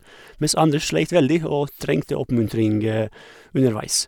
Mens andre sleit veldig og trengte oppmuntring underveis.